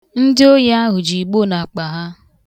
Ndị ohi ahụ ji igbo n'akpa ha.